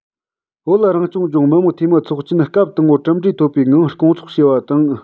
བོད རང སྐྱོང ལྗོངས མི དམངས འཐུས མི ཚོགས ཆེན སྐབས དང པོ གྲུབ འབྲས ཐོབ པའི ངང སྐོང ཚོགས བྱས པ དང